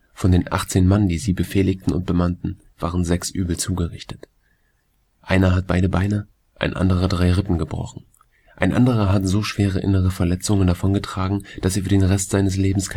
Von den 18 Mann, die sie befehligten und bemannten, wurden sechs übel zugerichtet, einer hat beide Beine, ein anderer drei Rippen gebrochen, und ein anderer hat so schwere innere Verletzungen davongetragen, dass er für den Rest seines Lebens